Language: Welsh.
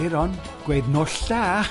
Euron, gweud nos da!